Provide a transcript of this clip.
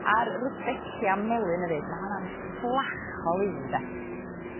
a'r rudbeckia melyn efyd ma' honna'n fflach o liw 'de.